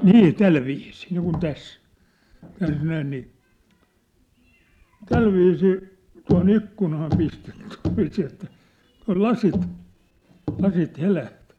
niin tällä viisiin niin kuin tässä tässä näin niin tällä viisiin tuohon ikkunaan pistettiin sillä viisiin että tuolla lasit lasit helähti